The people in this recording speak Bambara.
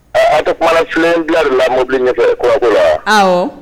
Ɛɛ an tɛ kumana filen bila de la mobili ɲɛfɛ kɔɲɔko la wa, awɔ